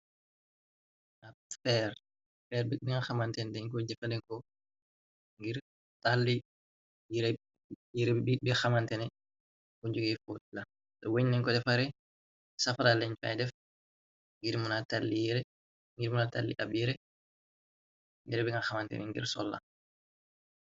Ab feer, feerbi dinga xamanten deñ ko jëfaleko, ngir tàlli yere bi bi xamantene bu njuge foot la, te wëñneko defare, safara leñ fu ay def, ngir muna talli ab yere yere bi nga xamantene ngir solla.